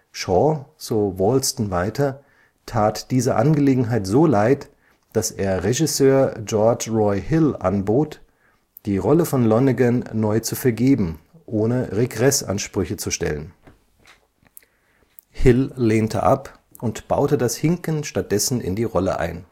Shaw, so Walston weiter, tat diese Angelegenheit so leid, dass er Regisseur George Roy Hill anbot, die Rolle von Lonnegan neu zu vergeben, ohne Regressansprüche zu stellen. Hill lehnte ab und baute das Hinken stattdessen in die Rolle ein